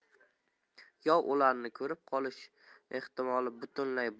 yov ularni ko'rib qolish ehtimoli butunlay